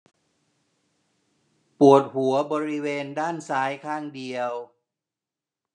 ปวดหัวบริเวณด้านซ้ายข้างเดียว